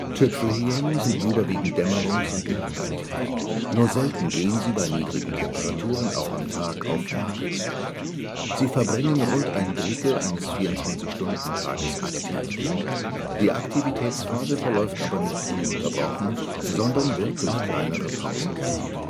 Tüpfelhyänen sind überwiegend dämmerungs - und nachtaktiv; nur selten gehen sie bei niedrigen Temperaturen auch am Tag auf Nahrungssuche. Sie verbringen rund ein Drittel eines 24-Stunden-Tages aktiv; die Aktivitätsphase verläuft aber nicht ununterbrochen, sondern wird durch kleinere Pausen geteilt